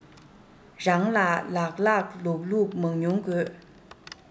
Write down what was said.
རང ལ ལགས ལགས ལུགས ལུགས མང ཉུང དགོས